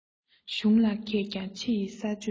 གཞུང ལ མཁས ཀྱང ཕྱི ཡི ས གཅོད འདྲ